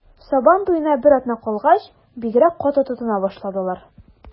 Сабан туена бер атна калгач, бигрәк каты тотына башладылар.